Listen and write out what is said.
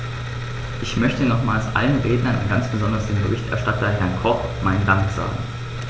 Ich möchte nochmals allen Rednern und ganz besonders dem Berichterstatter, Herrn Koch, meinen Dank sagen.